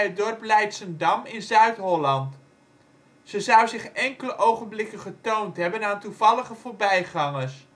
dorp Leidschendam, in Zuid-Holland. Ze zou zich enkele ogenblikken getoond hebben aan toevallige voorbijgangers